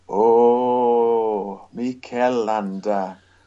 O! Mikel Landa.